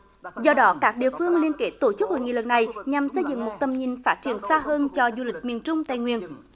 do đó các địa phương liên kết tổ chức hội nghị lần này nhằm xây dựng một tầm nhìn phát triển xa hơn cho du lịch miền trung tây nguyên